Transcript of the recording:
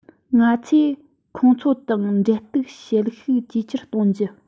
ང ཚོས ཁོང ཚོ དང འབྲེལ གཏུག བྱེད ཤུགས ཇེ ཆེར གཏོང རྒྱུ